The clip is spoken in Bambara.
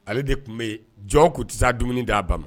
Ale de tun bɛ yen jɔ tun tɛ dumuni d'a ba ma